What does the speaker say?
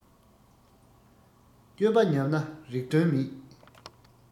སྤྱོད པ ཉམས ན རིགས དོན མེད